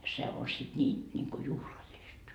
se on sitten niin niin kuin juhlallista